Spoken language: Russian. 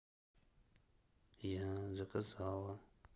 я заказала